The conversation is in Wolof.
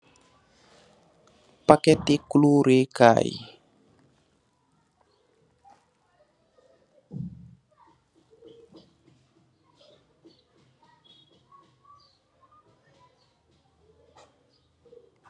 Packeti kulooraih kaaye.